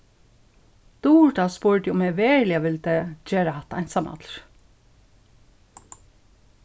durita spurdi um eg veruliga vildi gera hatta einsamallur